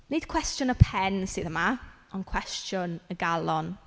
Nid cwestiwn y pen sydd yma, ond cwestiwn y galon.